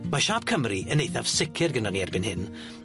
Mae siap Cymru yn eithaf sicir gennon ni erbyn hyn